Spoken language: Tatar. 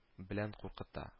Белән куркыта